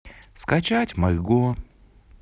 скачать марго